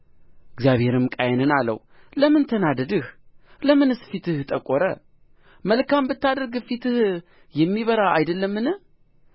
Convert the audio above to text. እግዚአብሔርም ቃየንን አለው ለምን ተናደድህ ለምንስ ፊትህ ጠቆረ መልካም ብታደርግ ፊትህ የሚበራ አይደለምን